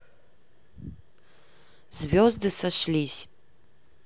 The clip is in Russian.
звезды сошлись